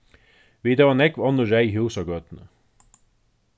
vit hava nógv onnur reyð hús á gøtuni